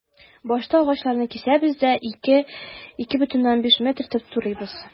Башта агачларны кисәбез дә, 2-2,5 метр итеп турыйбыз.